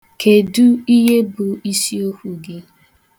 Kedụ ihe bụ isiokwu gị?